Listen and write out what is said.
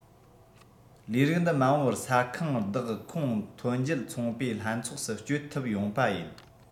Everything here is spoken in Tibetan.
ལས རིགས འདི མ འོངས པར ས ཁང བདག ཁོངས ཐོན འབྱེད ཚོང པས ལྷན ཚོགས སུ སྐྱོད ཐུབ ཡོང པ ཡིན